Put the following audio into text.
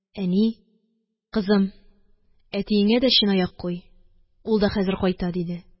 Әни: – Кызым, әтиеңә дә чынаяк куй, ул да хәзер кайта, – диде.